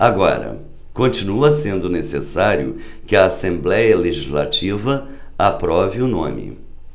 agora continua sendo necessário que a assembléia legislativa aprove o nome